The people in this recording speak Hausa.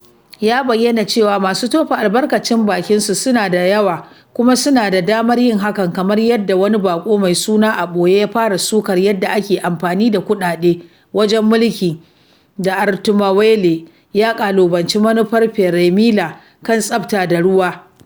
Ya bayyana cewa masu tofa albarkacin bakin su suna da yawa kuma suna da damar yin hakan, kamar yadda wani baƙo mai suna a ɓoye ya fara sukar yadda ake amfani da kuɗaɗe wajen mulki, da Artur Matavele ya ƙalubalanci manufar Frelimo kan tsafta da ruwa [pt].